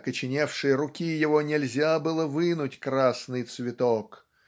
окоченевшей руки его нельзя было вынуть красный цветок